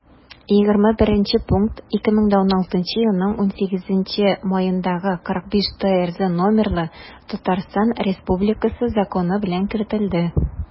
21 пункт 2016 елның 18 маендагы 45-трз номерлы татарстан республикасы законы белән кертелде